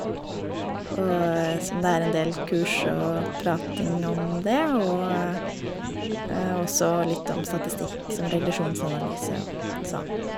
Og, sånn, det er en del kurs og prating om det, og og så litt om statistikk, som regresjonsanalyse og sånn.